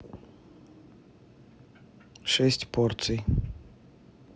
шесть порций